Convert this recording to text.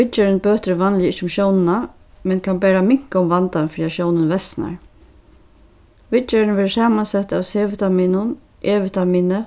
viðgerðin bøtir vanliga ikki um sjónina men kann bara minka um vandan fyri at sjónin versnar viðgerðin verður samansett av c-vitaminum